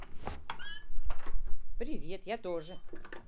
привет я тоже